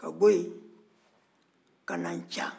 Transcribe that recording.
ka bɔ yen ka na nca